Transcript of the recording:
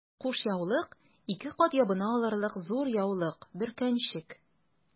Кушъяулык— ике кат ябына алырлык зур яулык, бөркәнчек...